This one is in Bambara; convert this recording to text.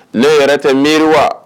Ne yɛrɛ tɛ miiri wa